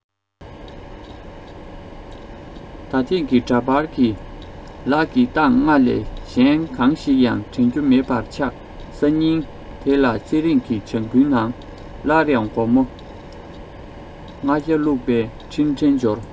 ད ཐེངས ཀྱི འདྲ པར གྱི ལག གི སྟངས ལྔ བརྒྱ ལས གཞན གང ཞིག ཡང དྲན རྒྱུ མེད པར ཆག སང ཉིན དེ ལ ཚེ རིང གི བྱང བུའི ནང སླར ཡང སྒོར མོ ལྔ བརྒྱ བླུག པའི འཕྲིན ཕྲན འབྱོར